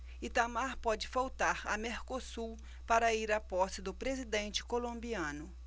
itamar pode faltar a mercosul para ir à posse do presidente colombiano